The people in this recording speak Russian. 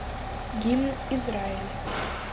гимн израиль